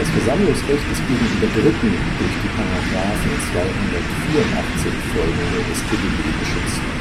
Versammlungsrecht ist gegenüber Dritten durch die §§ 284 f. StGB geschützt